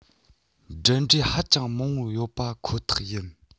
གྲུབ འབྲས ཧ ཅང མང པོ ཡོད པ ཁོ ཐག ཡིན